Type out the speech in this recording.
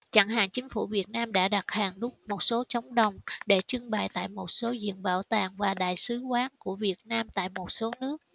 chẳng hạn chính phủ việt nam đã đặt hàng đúc một số trống đồng để trưng bày tại một số viện bảo tàng và đại sứ quán của việt nam tại một số nước